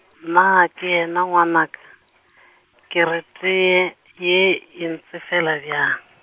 naa, ke yena ngwanaka, ke re teye, ye e ntsefela bjang.